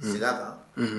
Seg'a kan unhun